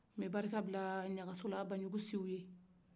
n bɛ barika bila ɲagasola bajugu siw ye